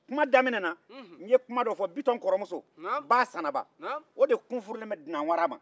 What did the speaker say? kuma daminɛ na n ye kuma dɔ fɔ bitɔn kɔrɔmuso ba sanaba o de tun furulen bɛ dunan wara ma